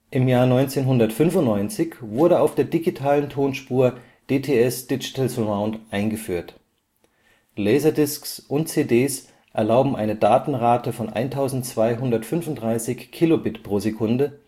1995 wurde auf der digitalen Tonspur „ dts Digital Surround “eingeführt. LaserDiscs und CDs erlauben eine Datenrate von 1235 kbit/s, DVDs eine